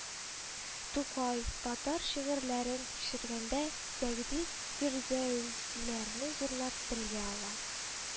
Тукай, татар шигырьләрен тикшергәндә, Сәгъди, Фирдәүсиләрне зурлап телгә ала